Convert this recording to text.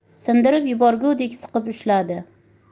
sindirib yuborgudek siqib ushladi